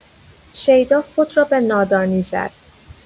شیدا خود را به نادانی زد.